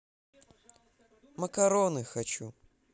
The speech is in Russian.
макароны хочу